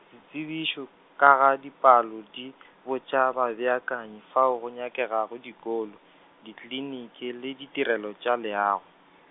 ditsebišo ka ga dipalo di , botša babeakanyi fao go nyakegago dikolo, dikliniki le ditirelo tša leago.